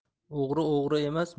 o'g'ri o'g'ri emas